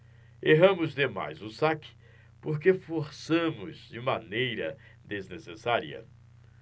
erramos demais o saque porque forçamos de maneira desnecessária